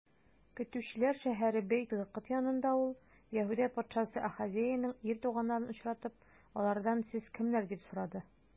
Көтүчеләр шәһәре Бәйт-Гыкыд янында ул, Яһүдә патшасы Ахазеянең ир туганнарын очратып, алардан: сез кемнәр? - дип сорады.